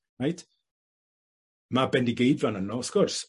Reit? Ma' Bendigeidfran yno wrth gwrs.